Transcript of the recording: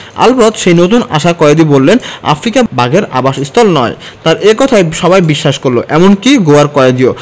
আলবত সেই নতুন আসা কয়েদি বললেন আফ্রিকা বাঘের আবাসস্থল নয় তাঁর এ কথায় সবাই বিশ্বাস করল এমনকি গোঁয়ার কয়েদিও